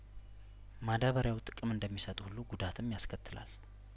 ማዳበሪያው ጥቅም እንደሚሰጥ ሁሉ ጉዳትም ያስከትላል